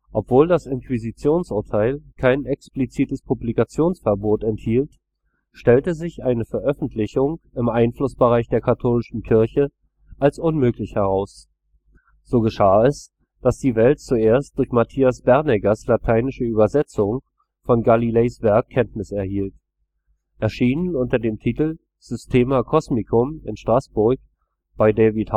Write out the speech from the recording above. Obwohl das Inquisitionsurteil kein explizites Publikationsverbot enthielt, stellte sich eine Veröffentlichung im Einflussbereich der katholischen Kirche als unmöglich heraus. So geschah es, dass die Welt zuerst durch Matthias Berneggers lateinische Übersetzung von Galileis Werk Kenntnis erhielt, erschienen unter dem Titel Systema cosmicum in Straßburg bei David Hautt